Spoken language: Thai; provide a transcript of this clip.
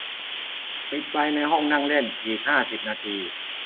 ปิดไฟในห้องนั่งเล่นอีกห้าสิบนาที